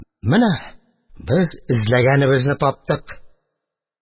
Менә без эзләгәнебезне таптык.